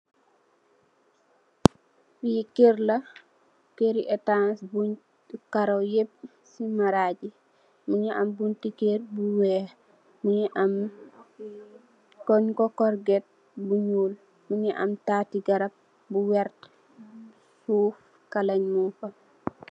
Fi keur la, keur ri etanse bunye karo yep ci maraj bi. Mungi am bonti keur bu weex, nyung ku corget bu ñuul. Mungi am garap bu wera fof keleh mung fa.